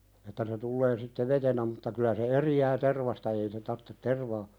että se tulee sitten vetenä mutta kyllä se eroaa tervasta ei se tarvitse tervaa